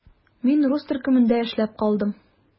Мин рус төркемендә эшләп калдым.